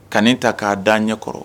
Kai ta k'a da ɲɛ kɔrɔ